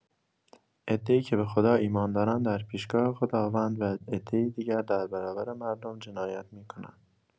عده‌ای که به‌خدا ایمان دارند در پیشگاه خداوند و عده دیگر در برابر مردم جنایت می‌کنند.